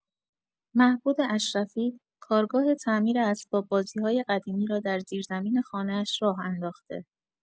مهبد اشرفی، کارگاه تعمیر اسباب‌بازی‌های قدیمی را در زیرزمین خانه‌اش راه انداخته.